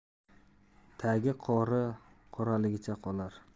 tagi qora qoraligicha qolar